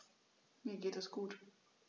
Mir geht es gut.